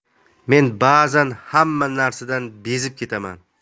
men ba'zan hamma narsadan bezib ketaman